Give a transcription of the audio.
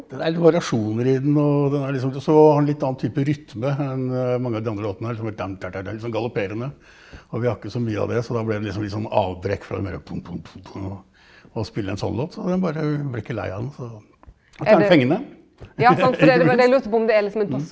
det er litt variasjoner i den, og den er liksom så har den litt annen type rytme enn mange av de andre låtene, er liksom sånn litt sånn galopperende og vi har ikke så mye av det så da ble det liksom litt sånn avbrekk fra mer bom bom bom å spille en sånn låt, så har den bare blir ikke lei av den så også er den fengende ikke minst .